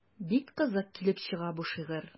Бик кызык килеп чыга бу шигырь.